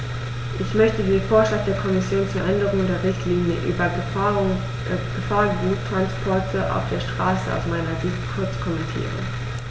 Ich möchte den Vorschlag der Kommission zur Änderung der Richtlinie über Gefahrguttransporte auf der Straße aus meiner Sicht kurz kommentieren.